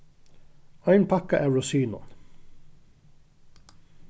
ein pakka av rosinum